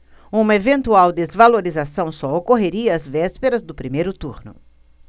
uma eventual desvalorização só ocorreria às vésperas do primeiro turno